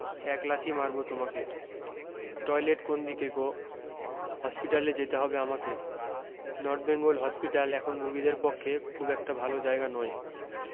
এক লাথি মারব তোমাকে টয়লেট কোন দিকে গো হসপিটালে যেতে হবে আমাকে নর্থবেঙ্গল হসপিটাল এখন রুগীদের পক্ষে খুব একটা ভালো জায়গা নয়